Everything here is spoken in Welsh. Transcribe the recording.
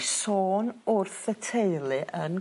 ...sôn wrth y teulu yn...